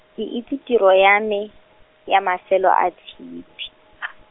ke itse tiro ya me, ya mafelo a tshipi .